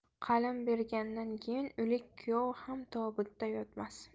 qalin bergandan keyin o'lik kuyov ham tobutda yotmas